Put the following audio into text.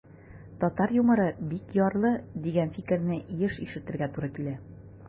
Татар юморы бик ярлы, дигән фикерне еш ишетергә туры килә.